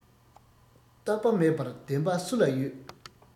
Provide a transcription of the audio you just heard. རྟག པ མེད པར བདེན པ སུ ལ ཡོད